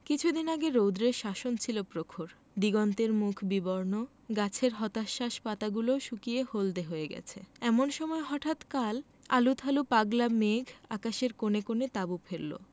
কিছুদিন আগে রৌদ্রের শাসন ছিল প্রখর দিগন্তের মুখ বিবর্ণ গাছের হতাশ্বাস পাতাগুলো শুকিয়ে হলদে হয়ে গেছে এমন সময় হঠাৎ কাল আলুথালু পাগলা মেঘ আকাশের কোণে কোণে তাঁবু ফেললো